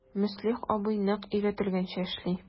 Мөслих абый нәкъ өйрәтелгәнчә эшли...